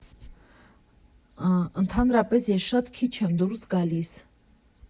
Ընդհանրապես ես շատ քիչ եմ դուրս գալիս։